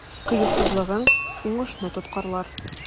Кыюсызлыгың уңышны тоткарлар.